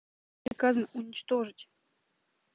приказано уничтожить